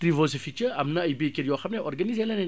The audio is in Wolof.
Trivolsificher am na ay baykat yoo xam ne organiser na leen